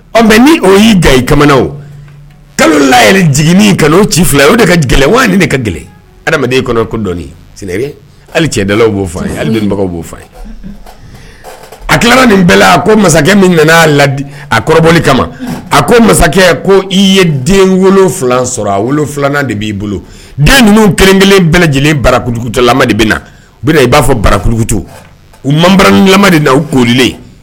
Ɔ ni o y yei da i kamalen kalola jigininin ka' ci fila o de ka gɛlɛn wa ka gɛlɛn adama kɔnɔ ko dɔnni hali cɛda b'o fɔ yebagaw b'o fa a tila nin bɛɛ la ko masakɛ min nana aa ladi a kɔrɔbli kama a ko masakɛ ko i ye den wolo wolonwula sɔrɔ a filanan de b'i bolo den ninnu kelen kelen bɛɛ lajɛlen barajugutulama de bɛna na u i b'a fɔ barakutu u manbarakalama de na u korilen